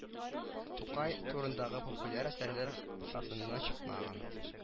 Тукай турындагы популяр әсәрләр кысасыннан чыкмаган